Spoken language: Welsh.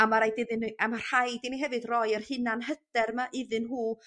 a ma' raid iddyn ni... A ma' rhaid i ni hefyd rhoi yr hunanhyder 'ma iddyn nhw